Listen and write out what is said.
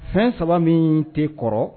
Fɛn saba min tɛ kɔrɔ